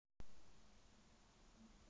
дико